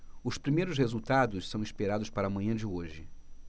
os primeiros resultados são esperados para a manhã de hoje